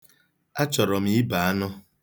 Achọrọ m ibe anụ.